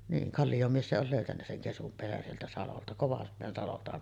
niin Kallion mies se oli löytänyt sen ketun pesän sieltä salolta Kovan salolta